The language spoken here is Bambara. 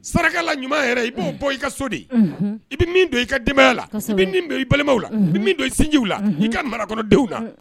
Sarakala ɲuman yɛrɛ i b'o bɔ i ka so di i bɛ min bɛ i ka dibayaya la i i balimaw la i min don i sinjiw la i ka marakɔrɔdenw la